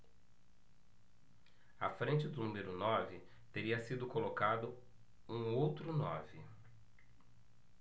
à frente do número nove teria sido colocado um outro nove